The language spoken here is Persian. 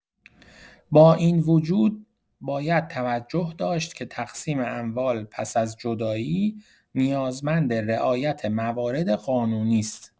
با این وجود، باید توجه داشت که تقسیم اموال پس از جدایی، نیازمند رعایت موارد قانونی است.